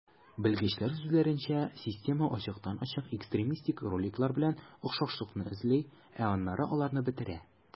Белгечләр сүзләренчә, система ачыктан-ачык экстремистик роликлар белән охшашлыкны эзли, ә аннары аларны бетерә.